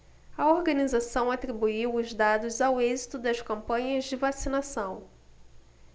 a organização atribuiu os dados ao êxito das campanhas de vacinação